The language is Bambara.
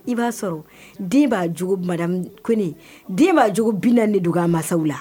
I b'a sɔrɔ den b'a jo mada ko den b'a jo binda ni dugu mansaw la